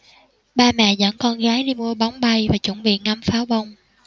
ba mẹ dẫn con gái đi mua bóng bay và chuẩn bị ngắm pháo bông